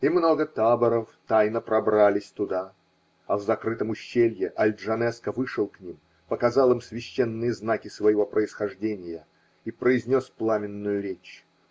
И много таборов тайно пробрались туда, а в закрытом ущелье Аль-Джанеско вышел к ним, показал им священные знаки своего происхождения и произнес пламенную речь.